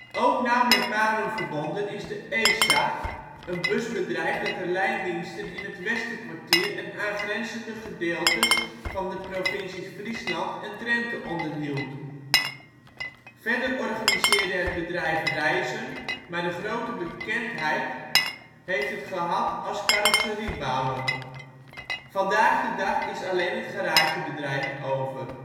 Ook nauw met Marum verbonden is de ESA, een busbedrijf dat de lijndiensten in het Westerkwartier en aangrenzende gedeeltes van de provincies Friesland en Drenthe onderhield. Verder organiseerde het bedrijf reizen, maar de grootste bekendheid heeft het gehad als carrosseriebouwer. Vandaag de dag is alleen het garagebedrijf over